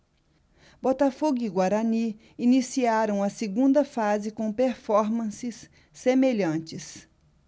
botafogo e guarani iniciaram a segunda fase com performances semelhantes